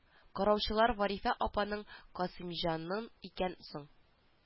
Караучылар варифә апаның касыймҗанын икән соң